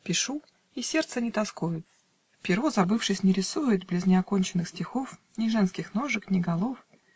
Пишу, и сердце не тоскует, Перо, забывшись, не рисует, Близ неоконченных стихов, Ни женских ножек, ни голов